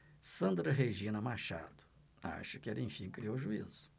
sandra regina machado acho que ela enfim criou juízo